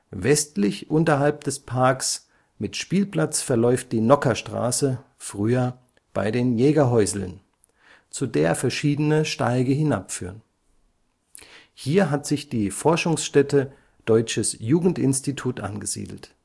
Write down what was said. Westlich unterhalb des Parks mit Spielplatz verläuft die Nockherstraße, früher „ Bei den Jägerhäusln “, zu der verschiedene Steige hinabführen. Hier hat sich die Forschungsstätte Deutsches Jugendinstitut angesiedelt